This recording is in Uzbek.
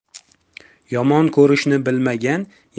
yomon ko'rishni bilmagan